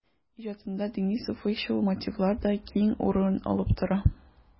Иҗатында дини-суфыйчыл мотивлар да киң урын алып тора.